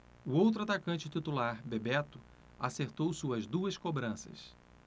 o outro atacante titular bebeto acertou suas duas cobranças